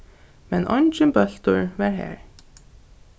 men eingin bóltur var har